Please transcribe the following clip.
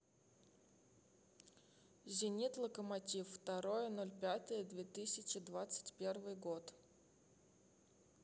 зенит локомотив второе ноль пятое две тысячи двадцать первый год